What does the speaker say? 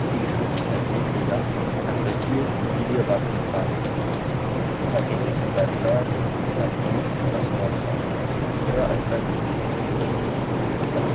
die Geschwindigkeit niedriger als bei vielen kompilierbaren Sprachen, aber ähnlich wie bei Perl, PHP oder Smalltalk und höher als bei Ruby. Das